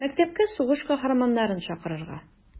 Мәктәпкә сугыш каһарманнарын чакырырга.